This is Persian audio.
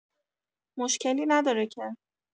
مشکلی نداره که؟